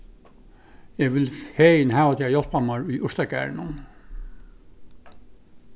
eg vil fegin hava teg at hjálpa mær í urtagarðinum